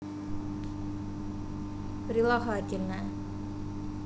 прилагательное